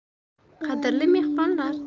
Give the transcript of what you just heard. qadrli mehmonlar